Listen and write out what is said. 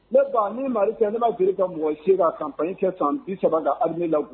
Ne ban ni mari ne b maa deli ka mɔgɔ se ka ka ban kɛ san bi saba ka alie la